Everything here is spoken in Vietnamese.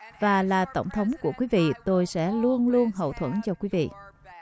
và là tổng thống của quý vị tôi sẽ luôn luôn hậu thuẫn cho quý vị